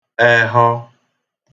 ehọ